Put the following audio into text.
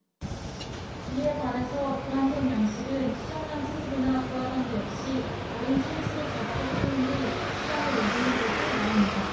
이에 반해서 불안정 양식은 수정란 채집이나 부화 단계 없이 어린 참치를 잡아서 키운 뒤 시장에 내놓는 것을 말합니다